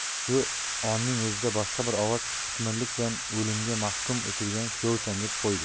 shu onning o'zida boshqa bir ovoz qitmirlik bilan o'limga mahkum etilgan kuyovsan deb qo'ydi